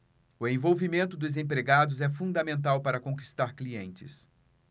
o envolvimento dos empregados é fundamental para conquistar clientes